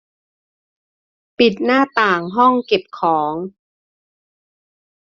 ปิดหน้าต่างห้องเก็บของ